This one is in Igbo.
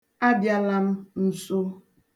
A bịala m nso.